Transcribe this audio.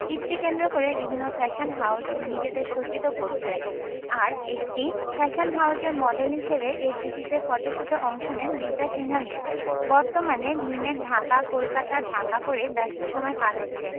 ঈদকে কেন্দ্র করে বিভিন্ন ফ্যাশন হাউজ নিজেদের সজ্জিত করছে আর একটি ফ্যাশন হাউজের মডেল হিসেবে এফডিসি তে ফটোশ্যুটে অংশ নেন বিদ্যা সিনহা মীম বর্তমানে মিমের ঢাকা কলকাতা ঢাকা করেই ব্যস্ত সময় পার হচ্ছে